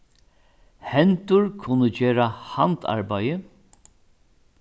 hendur kunnu gera handarbeiði